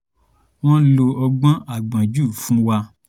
Wọ́n lo ọgbọ́n àgbọ́njù fún wa."